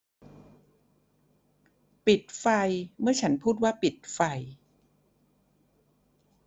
ปิดไฟเมื่อฉันพูดว่าปิดไฟ